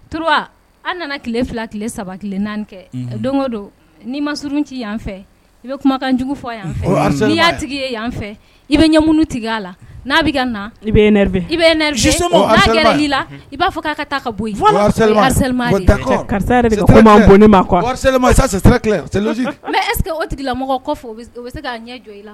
Tu an nana tile fila tile saba naani kɛ don o don n'i ma surunun ci yan fɛ i bɛ kumakanjugu fɔ yan tigi yan fɛ i bɛ ɲɛm tigɛ la n' i i i'a fɔ bɔseke o tigila mɔgɔ kɔ bɛ se k' ɲɛ jɔ i la